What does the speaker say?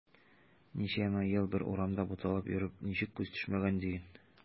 Ничәмә ел бер урамда буталып йөреп ничек күз төшмәгән диген.